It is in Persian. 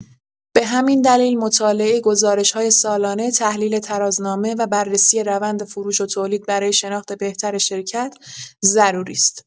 به همین دلیل مطالعه گزارش‌های سالانه، تحلیل ترازنامه و بررسی روند فروش و تولید برای شناخت بهتر شرکت ضروری است.